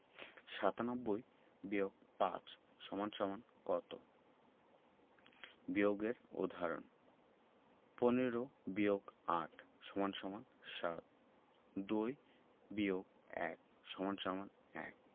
৯৭-৫ = কত বিয়োগের উদাহরণঃ ১৫ – ৮ = ৭ ২ - ১ =১